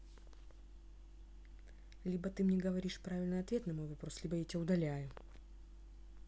либо ты мне говоришь правильный ответ на мой вопрос либо я тебя удаляю